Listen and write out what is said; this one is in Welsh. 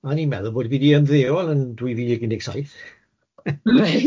Wel o'n i'n meddwl bod fi 'di ymddeol yn dwy fil ag un deg saith... Reit...